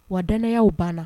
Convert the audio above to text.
Wa danayaw banna